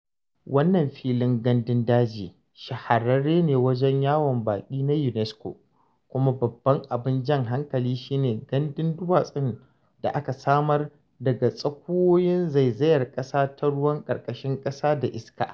Wannan filin gandun daji shahararre ne wajen yawan baƙi na UNESCO, kuma babban abin jan hankali shi ne gandun duwatsun da aka samar daga tsakuwowin zaizayar kasa ta ruwan karkashin ƙasa da iska.